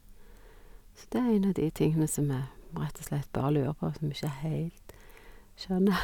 Så det er en av de tingene som vi vi rett og slett bare lurer på, som vi ikke heilt skjønner.